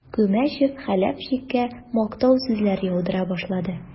Күмәчев Хәләфчиккә мактау сүзләре яудыра башлады.